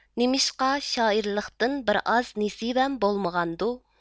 نېمىشقا شائىرلىقتىن بىر ئازراق نېسىۋەم بولمىغاندۇ